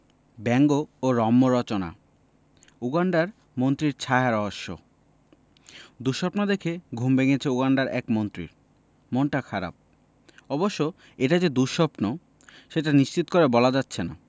ব্যঙ্গ ও রম্যরচনা উগান্ডার মন্ত্রীর ছায়ারহস্য দুঃস্বপ্ন দেখে ঘুম ভেঙেছে উগান্ডার এক মন্ত্রীর মনটা খারাপ অবশ্য এটা যে দুঃস্বপ্ন সেটা নিশ্চিত করে বলা যাচ্ছে না